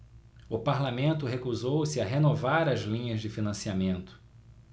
o parlamento recusou-se a renovar as linhas de financiamento